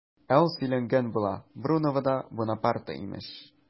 Ә ул сөйләнгән була, Бруновода Бунапарте имеш!